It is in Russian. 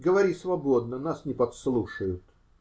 Говори свободно, нас не подслушают.